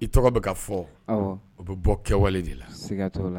I tɔgɔ bɛ ka fɔ o bɛ bɔ kɛwale de la